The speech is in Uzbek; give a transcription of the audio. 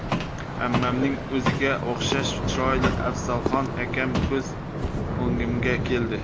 ammamning o'ziga o'xshash chiroyli afzalxon akam ko'z o'ngimga keldi